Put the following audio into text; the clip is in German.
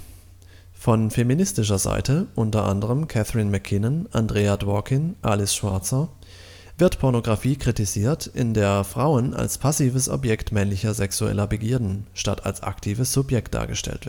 Von feministischer Seite (Catherine MacKinnon, Andrea Dworkin, Alice Schwarzer u. a.) wird Pornografie kritisiert, in der Frauen als passives Objekt männlicher sexueller Begierden statt als aktives Subjekt dargestellt